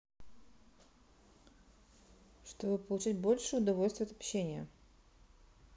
чтобы получать больше удовольствия от общения